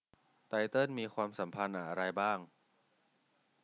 ไตเติ้ลมีความสัมพันธ์อะไรบ้าง